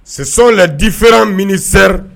Ce sont les différents ministères